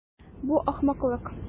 Бу ахмаклык.